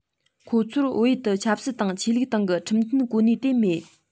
ཁོང ཚོར བོད ཡུལ དུ ཆབ སྲིད དང ཆོས ལུགས སྟེང གི ཁྲིམས མཐུན གོ གནས དེ མེད